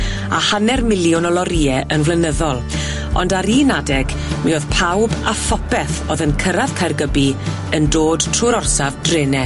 a hanner miliwn o lorïe yn flynyddol, ond ar un adeg, mi oedd pawb a phopeth o'dd yn cyrradd Caergybi yn dod trwy'r orsaf drene.